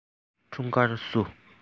འཁྲུངས སྐར བསུ